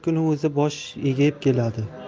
kuni o'zi bosh egib keladi